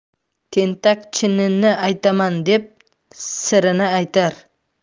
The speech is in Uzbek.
tentak chinini aytaman deb sirini aytar